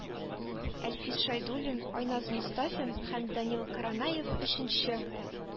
Әлфис Шәйдуллин, Айназ Мостафин һәм Данил Каранаев өченче